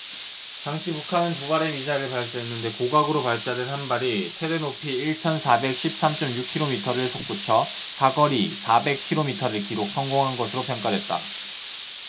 당시 북한은 두 발의 미사일을 발사했는데 고각으로 발사된 한 발이 최대 높이 일 천 사백 십 삼 쩜 육 키로미터를 솟구쳐 사거리 사백 키로미터를 기록 성공한 것으로 평가됐다